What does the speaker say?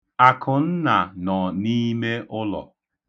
Akụnna nọ n'ime ụlọ.